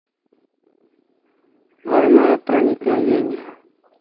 двойное проникновение